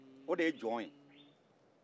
o de ye jɔn ye